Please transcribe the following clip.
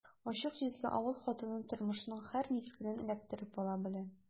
Ачык йөзле авыл хатыны тормышның һәр мизгелен эләктереп ала белә.